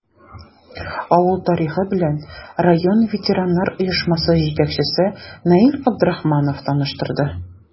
Авыл тарихы белән район ветераннар оешмасы җитәкчесе Наил Габдрахманов таныштырды.